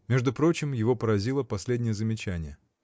Между прочим его поразило последнее замечание.